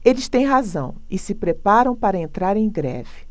eles têm razão e se preparam para entrar em greve